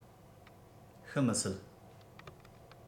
ཤི མི སྲིད